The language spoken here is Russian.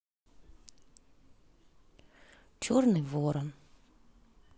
черный ворон